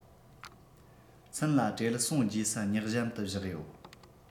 ཚུན ལ བྲེལ སོང རྗེས སུ བསྙེགས མཉམ དུ བཞག ཡོད